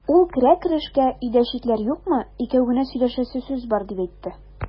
Ул керә-керешкә: "Өйдә читләр юкмы, икәү генә сөйләшәсе сүз бар", дип әйтте.